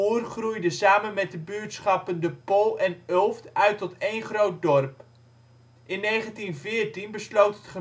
Oer groeide samen met de buurtschappen de Pol en Ulft uit tot één groot dorp. In 1914 besloot